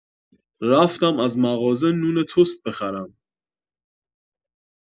رفتم از مغازه نون تست بخرم